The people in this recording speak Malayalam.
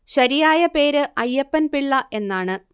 ശരിയായ പേര് അയ്യപ്പൻ പിള്ള എന്നാണ്